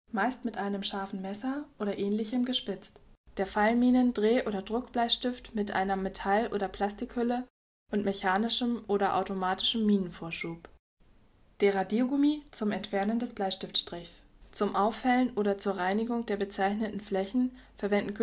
meist mit einem scharfen Messer oder Ähnlichem gespitzt. Der Fallminen -, Dreh - oder Druckbleistift mit einer Metall - oder Plastikhülle und mechanischem oder automatischem Minenvorschub. Der Radiergummi, zum Entfernen des Bleistiftstrichs. Zum Aufhellen oder zur Reinigung der bezeichneten Flächen verwenden